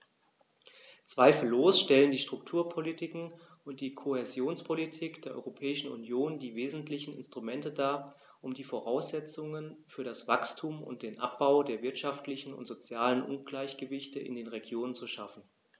Zweifellos stellen die Strukturpolitiken und die Kohäsionspolitik der Europäischen Union die wesentlichen Instrumente dar, um die Voraussetzungen für das Wachstum und den Abbau der wirtschaftlichen und sozialen Ungleichgewichte in den Regionen zu schaffen.